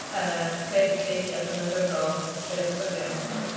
Yy Sgrech y Creigiau, oedd hwnna'n gyfrol o straeon byrion dwi'n meddwl.